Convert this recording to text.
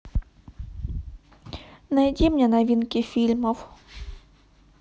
найди мне новинки фильмов